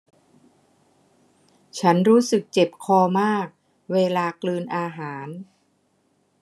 ฉันรู้สึกเจ็บคอมากเวลากลืนอาหาร